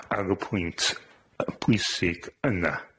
ar pwynt yy pwysig yna.